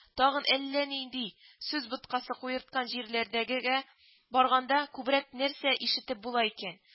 Тагын әллә нинди сүз боткасы куерткан җирләрдәгегә караганда күбрәк нәрсә ишетеп була икән